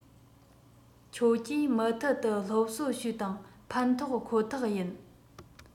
ཁྱོད ཀྱིས མུ མཐུད དུ སློབ གསོ བྱོས དང ཕན ཐོགས ཁོ ཐག ཡིན